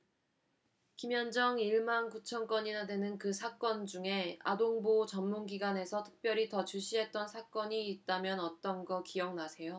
김현정 일 만 구천 건이나 되는 그 사건 중에 아동보호 전문기관에서 특별히 더 주시했던 사건이 있다면 어떤 거 기억나세요